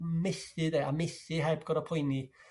methu 'de a methu heb gor'o' poeni.